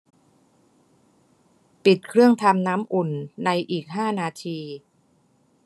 ปิดเครื่องทำน้ำอุ่นในอีกห้านาที